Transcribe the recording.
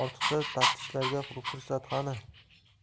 ortiqcha taftishlarga fursat qani